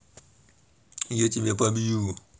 я тебя побью